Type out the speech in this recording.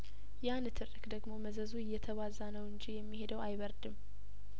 ያንትርክ ደግሞ መዘዙ እየተባዛ ነው እንጂ የሚሄደው አይበርድም